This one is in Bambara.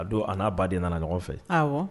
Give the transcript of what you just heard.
A don n'a ba de nana ɲɔgɔn fɛ